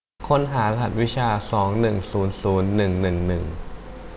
ค้นหารหัสวิชาสองหนึ่งศูนย์ศูนย์หนึ่งหนึ่งหนึ่ง